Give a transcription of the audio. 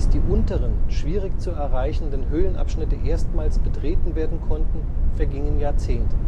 die unteren, schwierig zu erreichenden Höhlenabschnitte erstmals betreten werden konnten, vergingen Jahrzehnte